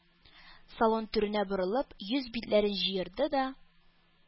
Салон түренә борылып, йөз-битләрен җыерды да: